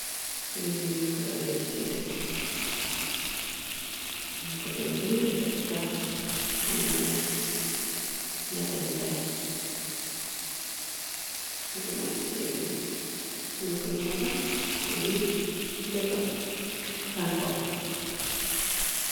Bi nyonj koh oyeh sadeem. Nyung koh tepa def koh see khass nata di jaye. Dang koh mocha nga sani hoh bi